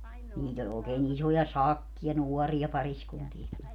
niitä oli oikein isoja sakkeja nuoria pariskuntiakin